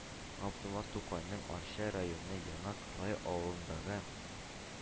Габдулла Тукайның Арча районы Яңа Кырлай авылындагы